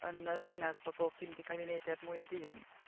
Yn y ddinas mae bob dim 'di cael ei wneud er mwyn dyn.